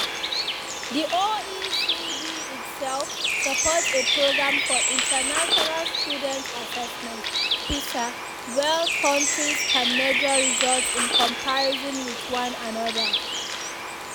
The OECD itself supports a Programme for International Student Assessment (PISA) where countries can measure results in comparison with one another.